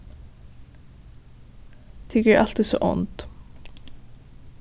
tykur eru altíð so ónd